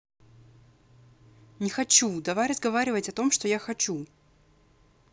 не хочу давай разговаривать о том что я хочу